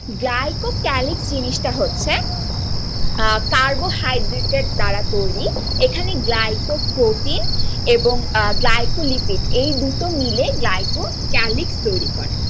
glycocalyx জিনিসটা হচ্ছে carbohydrate এর দ্বারা তৈরি এখানে গ্লাইকোপ্রোটিন এবং গ্লাইকোলিপিড এই দুটো মিলে গ্লাইকোক্যালিক্স তৈরি করে